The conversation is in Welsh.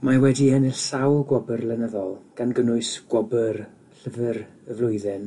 Mae wedi enill sawl gwobyr lenyddol, gan gynnwys Gwobyr Llyfyr y Flwyddyn